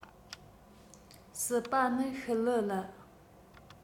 སྲིད པ ནི ཤི ལ ལི